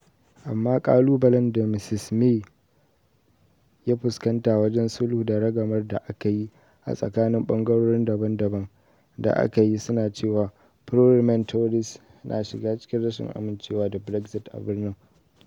Amma ƙalubalen da Mrs May ta fuskanta wajen sulhu da ragamar da aka yi a tsakanin bangarori daban-daban da aka yi sun nuna cewa, Pro-Remain Tories na shiga cikin rashin amincewa da Brexit a birnin.